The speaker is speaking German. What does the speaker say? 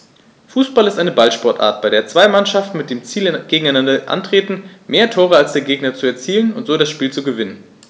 Fußball ist eine Ballsportart, bei der zwei Mannschaften mit dem Ziel gegeneinander antreten, mehr Tore als der Gegner zu erzielen und so das Spiel zu gewinnen.